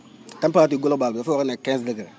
température globale bi dafa war a nekk quinze degré